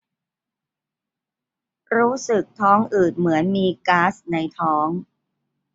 รู้สึกท้องอืดเหมือนมีก๊าซในท้อง